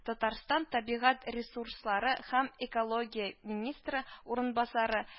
Татарстан табигать ресурслары һәм экология министры урынбасары